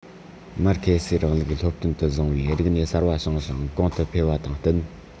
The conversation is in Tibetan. མར ཁེ སིའི རིང ལུགས སློབ སྟོན དུ བཟུང བའི རིག གནས གསར པ བྱུང ཞིང གོང དུ འཕེལ བ དང བསྟུན